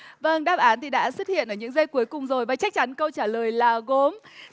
vâng đáp án thì đã xuất hiện ở những giây cuối cùng rồi và chắc chắn câu trả lời là gốm